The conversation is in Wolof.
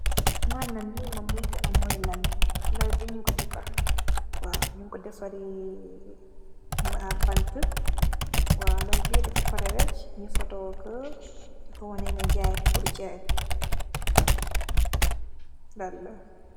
Ma nam linak moi lal, lal bi nyung ko defarey banta. Waw, Lal bi dafa parey rek nyu netal ko, diko waneh ne purr jay la.